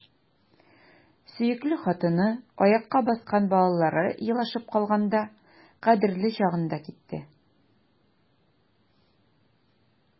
Сөекле хатыны, аякка баскан балалары елашып калганда — кадерле чагында китте!